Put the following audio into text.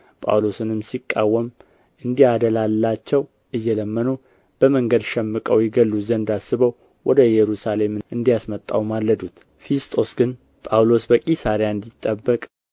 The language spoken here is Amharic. ጳውሎስንም ሲቃወም እንዲያደላላቸው እየለመኑ በመንገድ ሸምቀው ይገድሉት ዘንድ አስበው ወደ ኢየሩሳሌም እንዲያስመጣው ማለዱት ፊስጦስ ግን ጳውሎስ በቂሳርያ እንዲጠበቅ